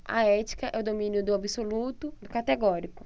a ética é o domínio do absoluto do categórico